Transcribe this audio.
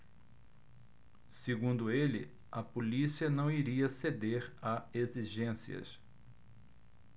segundo ele a polícia não iria ceder a exigências